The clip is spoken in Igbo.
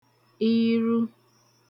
iru